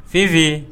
Fifi